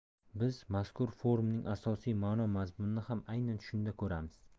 biz mazkur forumning asosiy ma'no mazmunini ham aynan shunda ko'ramiz